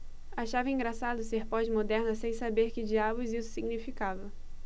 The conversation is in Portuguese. achava engraçado ser pós-moderna sem saber que diabos isso significava